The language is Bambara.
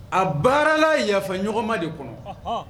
A baarala yafa ɲɔgɔnma de kɔnɔ